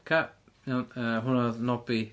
Ocê iawn, yy, hwnna oedd Nobby.